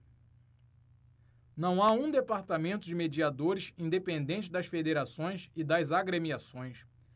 não há um departamento de mediadores independente das federações e das agremiações